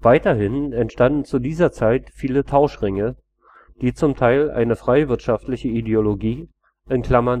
Weiterhin entstanden zu dieser Zeit viele Tauschringe, die zum Teil eine freiwirtschaftliche Ideologie